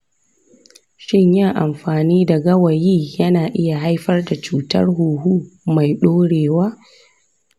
shin yin amfani da gawayi yana iya haifar da cutar huhu mai dorewa